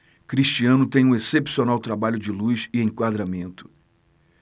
cristiano tem um excepcional trabalho de luz e enquadramento